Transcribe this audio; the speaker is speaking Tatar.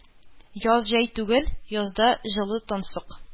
Яз - җәй түгел, язда җылы тансык.